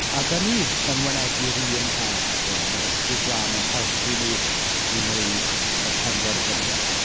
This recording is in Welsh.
A dan ni yn wynebu'r un her heddiw, a mae'r Ysbryd Glân yn helpu ni i wneud y penderfyniad.